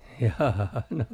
jaa no